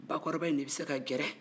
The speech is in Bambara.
bakɔrɔba in de bɛ se ka gɛrɛ